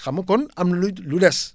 xam nga kon am na lu des